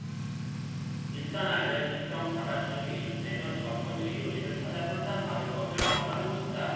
일단 알레르기성 자반증이 의심되면 전문 의료진을 찾아 상담 받을 것을 권하고 싶다